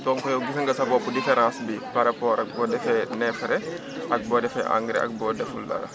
donc yow gisal nga sa bopp différence bi par rapport ak boo defee neefere ak boo defee engrais ak boo deful dara